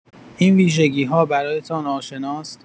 این ویژگی‌ها برایتان آشناست؟